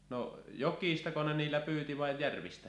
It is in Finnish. no joistako ne niillä pyysi vai järvistä